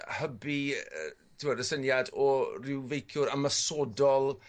hybu yy t'mod y syniad o ryw feiciwr ymasodol